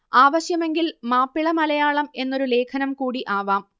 ആവശ്യമെങ്കിൽ മാപ്പിള മലയാളം എന്നൊരു ലേഖനം കൂടി ആവാം